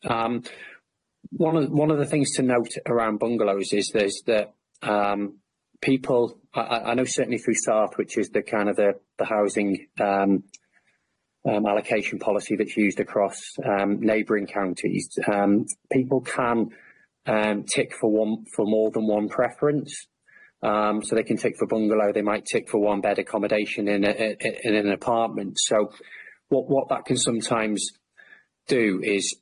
um one of one of the things to note around bungalows is there's the um people I I know certainly through SART which is the kind of the the housing um um allocation policy that's used across um neighbouring counties um people can um tick for one for more than one preference um so they can tick for bungalow they might tick for one bed accommodation in a in an apartment so what what that can sometimes do is